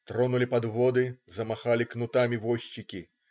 Тронули подводы, замахали кнутами возчики.